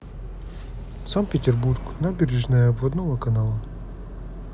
санкт петербург набережная обводного канала